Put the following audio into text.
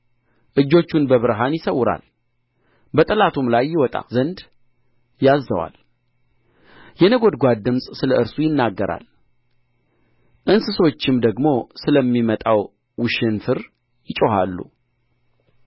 እጆቹን በብርሃን ይሰውራል በጠላቱም ላይ ይወጣ ዘንድ ያዝዘዋል የነጐድጓድ ድምፅ ስለ እርሱ ይናገራል እንስሶችም ደግሞ ስለሚመጣው ውሽንፍር ይጮኻሉ